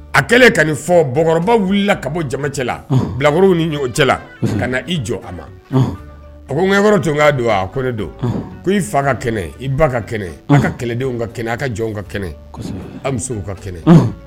A kɛlen ka nin fɔ bamakɔkɔrɔbaw wulila ka bɔ jamacɛ la bilakorow ni ɲɔgɔn cɛla la ka na i jɔ a ma a ko ŋyankɔrɔ tun' don a ko ne do ko i fa ka kɛnɛ i ba ka kɛnɛ a ka kɛlɛdenw ka kɛnɛ aw ka jɔnw ka kɛnɛ aw muso ka kɛnɛ